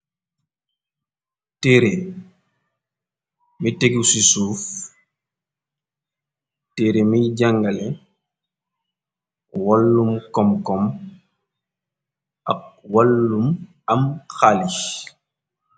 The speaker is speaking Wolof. Téere mi tegu ci suuf téere miy jàngale wallum kom kom ak wallum am xaalis.